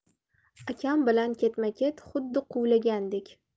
akam bilan ketma ket xuddi quvlagandek